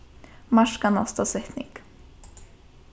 marka næsta setning